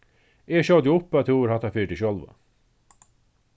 eg skjóti upp at tú hevur hatta fyri teg sjálva